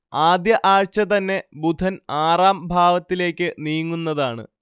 ആദ്യ ആഴ്ച തന്നെ ബുധൻ ആറാം ഭാവത്തിലേക്ക് നീങ്ങുന്നതാണ്